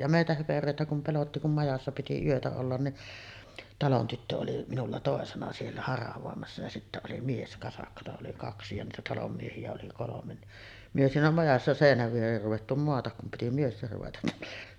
ja meitä höperöitä kun pelotti kun majassa piti yötä olla niin talon tyttö oli minulla toisena siellä haravoimassa ja sitten oli mieskasakkaa oli kaksi ja niitä talon miehiä oli kolme niin me siinä majassa seinän viereen ruvettu maata kun piti miesten ruveta